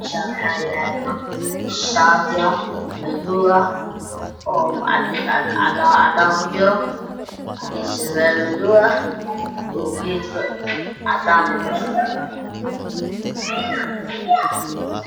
Meeshaan waxaa yaalo shaati madow ah, oo cadaan kujiro iyo surwaal madow ah oo caag cadaan ah kujiro.